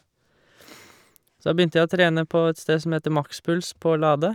Så da begynte jeg å trene på et sted som heter Maxpuls på Lade.